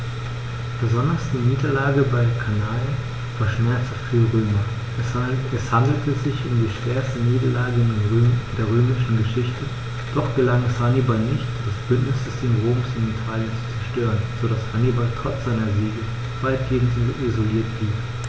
Besonders die Niederlage bei Cannae war schmerzhaft für die Römer: Es handelte sich um die schwerste Niederlage in der römischen Geschichte, doch gelang es Hannibal nicht, das Bündnissystem Roms in Italien zu zerstören, sodass Hannibal trotz seiner Siege weitgehend isoliert blieb.